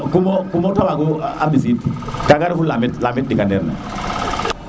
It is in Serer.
kumokumo te waago nga a mbisiid kaga ref u lamit ɗika ndeer ne